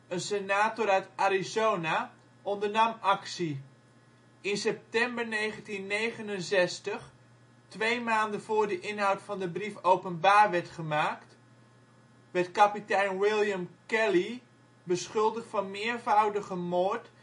een senator uit Arizona, ondernam actie. In september 1969 - twee maanden voor de inhoud van de brief openbaar werd gemaakt - werd kapitein William Calley beschuldigd van meervoudige moord